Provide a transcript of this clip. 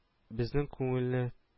Безнең күңелле т